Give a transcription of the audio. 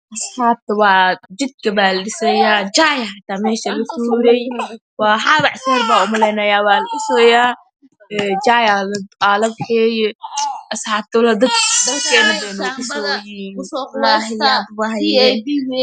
Saxaabta jidka baa la dhisayaa jaayga xitaa meeshaa lagu tuuray waa xaabacesel baa umalynayaa waa la dhisoyaa jayaa aa lageyay asxabta walahi dadkeena waday no dhisooyiin